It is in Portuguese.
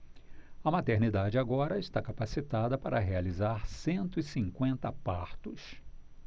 a maternidade agora está capacitada para realizar cento e cinquenta partos